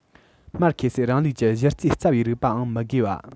མར ཁེ སིའི རིང ལུགས ཀྱི གཞི རྩའི རྩ བའི རིགས པའང མི དགོས པ